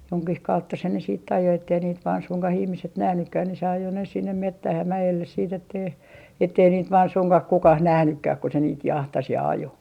jonkin kautta se ne sitten ajoi että ei niitä vain suinkaan ihmiset nähnytkään niin se ajoi ne sinne metsään ja mäelle sitten että ei että ei niitä vain suinkaan kukaan nähnytkään kun se niitä jahtasi ja ajoi